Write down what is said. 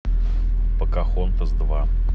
покахонтас два